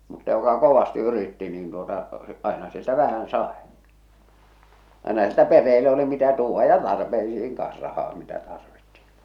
mutta joka kovasti yritti niin tuota aina sieltä vähän sai aina sieltä perheelle oli mitä tuoda ja tarpeisiin kanssa rahaa mitä tarvittiin